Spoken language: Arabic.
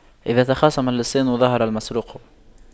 إذا تخاصم اللصان ظهر المسروق